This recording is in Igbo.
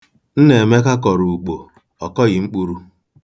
Nnaemeka kọrọ ukpo, ọ kọghị mkpuru.